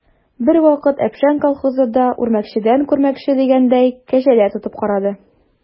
Бервакыт «Әпшән» колхозы да, үрмәкчедән күрмәкче дигәндәй, кәҗәләр тотып карады.